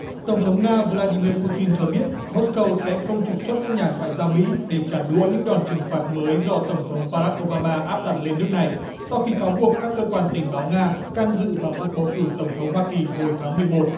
tổng thống nga vờ la đi miu pu tin cho biết mớt câu sẽ không trục xuất các nhà ngoại giao mỹ để trả đũa những đòn trừng phạt mới do tổng thống ba rắc ô ba ma áp đặt lên nước này sau khi cáo buộc các cơ quan tình báo nga can dự vào cuộc bầu cử tổng thống hoa kỳ hồi tháng mười một